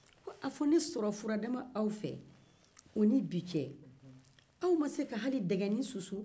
a fɔ ne sɔrɔ furadama aw fɛ o ni bi cɛ aw ma se ka hali dɛgɛnin susu